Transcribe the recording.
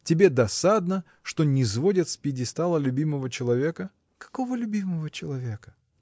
— Тебе досадно, что низводят с пьедестала любимого человека? — Какого любимого человека?